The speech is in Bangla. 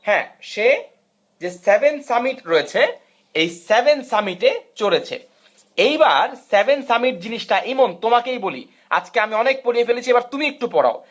হ্যাঁ সে জে সেভেন সামিট রয়েছে এই 7 সামিটে চলছে এইবার এই 7 সামিট জিনিসটা ইমন তোমাকে বলি আজকে আমি অনেক পড়িয়ে ফেলেছি এবার তুমি একটু পড়াও